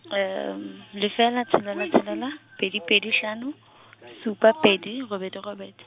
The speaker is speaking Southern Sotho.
lefela tshelela tshelela, pedi pedi hlano, supa pedi, robedi robedi.